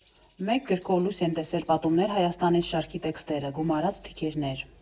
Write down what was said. Մեկ գրքով լույս են տեսել «Պատումներ Հայաստանից» շարքի տեքստերը (գումարած սթիքերներ)։